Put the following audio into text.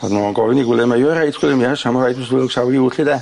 A dyma fo'n ofyn i Gwilym Are you alright Gwilym? Yes I'm alright Mr Wilks how are you? llu de?